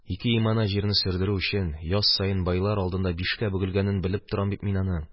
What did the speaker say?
Ике имана җирне сөрдерү өчен яз саен байлар алдында бишкә бөгелгәнен белеп торам бит мин аның.